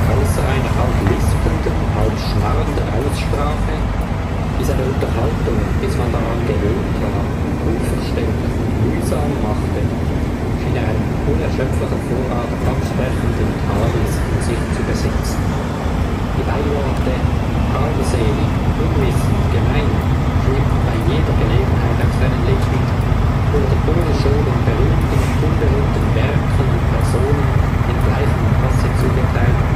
Ausser einer halb lispelnden, halb schnarrenden Aussprache, die seine Unterhaltung, bis man daran gewöhnt war, unverständlich und mühsam machte, schien er einen unerschöpflichen Vorrat absprechenden Tadels in sich zu besitzen. Die Beiworte: armselig, unwissend, gemein, schwebten bei jeder Gelegenheit auf seinen Lippen, wurden ohne Schonung berühmten und unberühmten Werken und Personen in gleichem Masse zugeteilt